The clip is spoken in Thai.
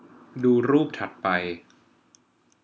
ดูรูปถัดไป